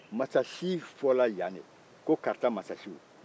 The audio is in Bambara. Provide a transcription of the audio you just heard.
mansasi fɔra yan de ko kaarata mansasiw